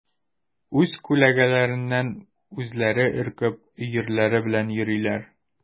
Үз күләгәләреннән үзләре өркеп, өерләре белән йөриләр.